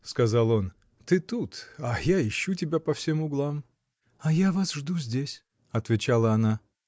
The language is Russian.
— сказал он, — ты тут, а я ищу тебя по всем углам. — А я вас жду здесь. — отвечала она.